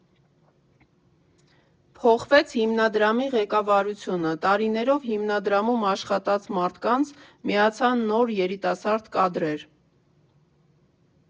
Փոխվեց հիմնադրամի ղեկավարությունը, տարիներով հիմնադրամում աշխատած մարդկանց միացան նոր երիտասարդ կադրեր։